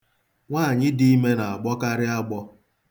Nwaanyị dị ime na-agbọkarị agbọ.